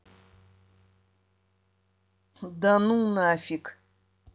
да ну нафиг